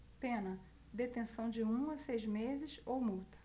pena detenção de um a seis meses ou multa